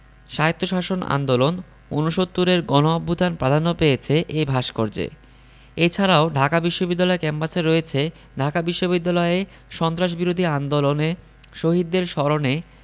স্বায়ত্তশাসন আন্দোলন উনসত্তুরের গণঅভ্যুত্থান প্রাধান্য পেয়েছে এ ভাস্কর্যে এ ছাড়াও ঢাকা বিশ্ববিদ্যালয় ক্যাম্পাসে রয়েছে ঢাকা বিশ্ববিদ্যালয়ে সন্ত্রাসবিরোধী আন্দোলনে শহীদদের স্মরণে